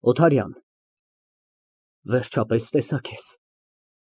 ՕԹԱՐՅԱՆ ֊ Վերջապես, տեսա քեզ։